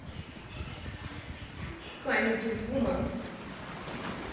камеди вуман